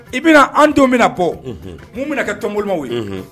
I bɛna na an don min na bɔ mun bɛna kɛ tɔnmolimaw ye